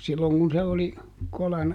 silloin kun se oli kolan